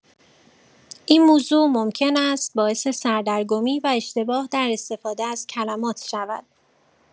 این موضوع ممکن است باعث سردرگمی و اشتباه در استفاده از کلمات شود.